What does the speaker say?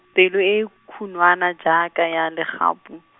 pelo e khunwana jaaka ya legapu.